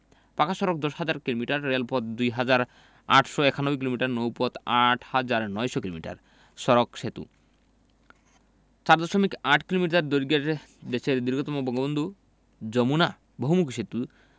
পাকা সড়কপথ ১০হাজার কিলোমিটার রেলপথ ২হাজার ৮৯১ কিলোমিটার নৌপথ ৮হাজার ৯০০ কিলোমিটার সড়কঃ সেতু ৪দশমিক ৮ কিলোমিটার দৈর্ঘ্যের দেশের দীর্ঘতম বঙ্গবন্ধু যমুনা বহুমুখী সেতু